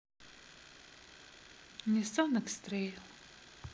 ниссан экстрейл